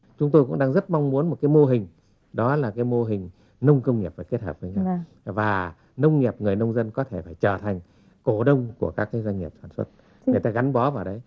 chúng tôi cũng đang rất mong muốn một cái mô hình đó là cái mô hình nông công nghiệp và kết hợp với nhau và nông nghiệp người nông dân có thể phải trở thành cổ đông của các doanh nghiệp sản xuất người ta gắn bó vào đấy